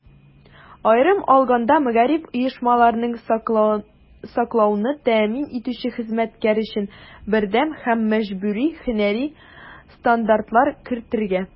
Аерым алганда, мәгариф оешмаларын саклауны тәэмин итүче хезмәткәр өчен бердәм һәм мәҗбүри һөнәри стандартлар кертергә.